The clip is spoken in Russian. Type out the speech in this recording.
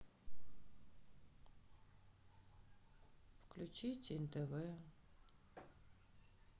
включите нтв